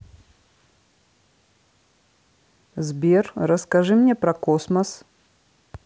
сбер расскажи мне про космос